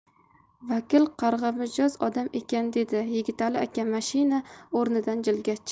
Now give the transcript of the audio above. vakil qarg'amijoz odam ekan dedi yigitali aka mashina o'rnidan jilgach